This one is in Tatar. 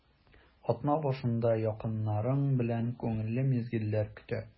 Атна башында якыннарың белән күңелле мизгелләр көтә.